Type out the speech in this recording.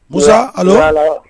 Musa alo? oui alo?